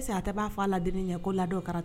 A tɛ'a fɔ ladenini ɲɛ ko la